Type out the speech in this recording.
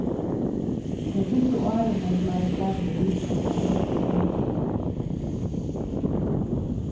tey fyrstu árini bleiv dagur og vika send klokkan átta